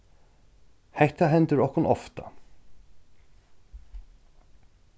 hatta hendir okkum ofta